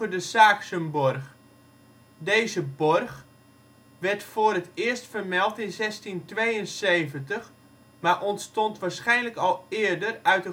de Saaksumborg. Deze borg werd voor het eerst vermeld in 1672, maar ontstond waarschijnlijk al eerder uit